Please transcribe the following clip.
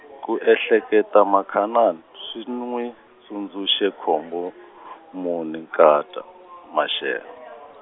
ku ehleketa Makhanani swi n'wi tsundzuxe Khombomuni nkata Mashele.